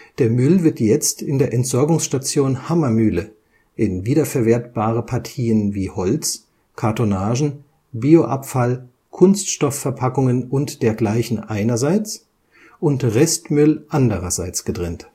Der Müll wird jetzt in der Entsorgungsstation „ Hammermühle “in wiederverwertbare Partien wie Holz, Kartonagen, Bioabfall, Kunststoffverpackungen und dergleichen einerseits und Restmüll andererseits getrennt